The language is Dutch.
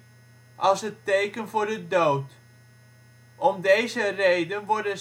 als het teken voor de dood. Om deze reden worden